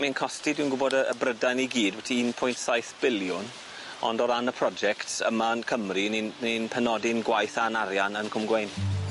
Mae'n costi dwi'n gwbod yy y Brydain i gyd bwti un pwynt saith biliwn ond o ran y project yma yn Cymru ni'n ni'n penodi'n gwaith a'n arian yn Cwm Gwaun.